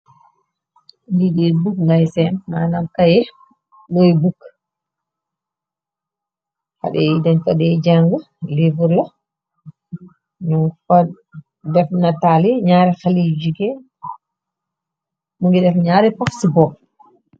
Ligiir bukk ngay seem manam kaye muy bukk xadiy dañ kodey jang livurlax ñu fa def nataali ñaare xaliy jige mu ngi def ñaare paf ci bopp.